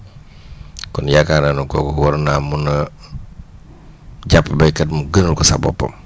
kon yaakaar naa ne kooku waroon naa mun a jàpp béykat mu gënal ko sax boppam